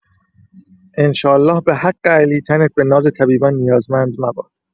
انشالله به‌حق علی تنت به ناز طبیبان نیازمند مباد!